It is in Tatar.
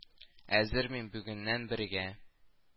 Әзер мин бүгеннән бергә